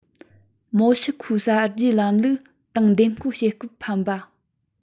མོ ཞི ཁོའི གསར བརྗེའི ལམ ལུགས ཏང འདེམས བསྐོ བྱེད སྐབས ཕམ པ